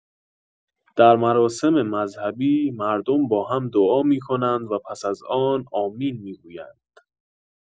در مراسم مذهبی، مردم با هم دعا می‌کنند و پس از آن آمین می‌گویند.